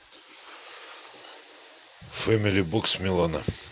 family box милана